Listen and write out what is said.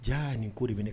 Jaa nin ko de bɛ